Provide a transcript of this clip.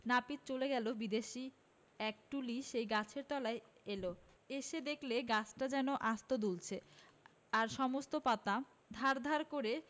নাপিত চলে গেলে বিদেশী এক ঢুলি সেই গাছের তলায় এল এসে দেখলে গাছটা যেন আস্তে দুলছে আর সমস্ত পাতা ধারধার করে